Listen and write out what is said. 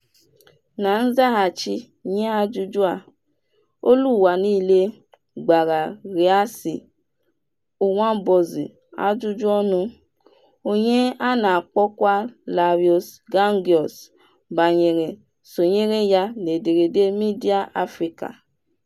Na nzaghachi nye ajụjụ a, Global Voices gbara Réassi Ouabonzi ajụjụọnụ, onye a na-akpọkwa Lareus Gangoueus banyere nsonyere ya n'ederede midịa Afrịka.